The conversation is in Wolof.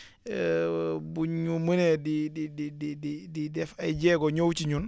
buñ ñu mënee di di di di di def ay jéego ñëw ci ñun